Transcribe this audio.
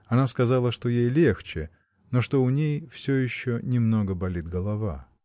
Она сказала, что ей легче, но что у ней всё еще немного болит голова.